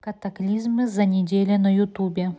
катаклизмы за неделю на ютубе